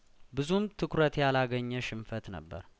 ብዙም ትኩረት ያላገኘ ሽንፈት ነበር